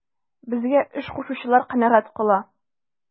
Безгә эш кушучылар канәгать кала.